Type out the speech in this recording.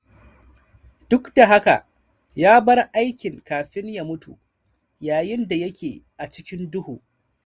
Duk da haka, ya bar aikin kafin ya mutu, yayin da yake "a cikin duhu."